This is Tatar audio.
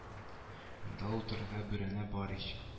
Монда утырырга бүрәнә бар ич